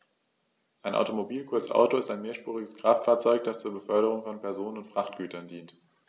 Ein Automobil, kurz Auto, ist ein mehrspuriges Kraftfahrzeug, das zur Beförderung von Personen und Frachtgütern dient.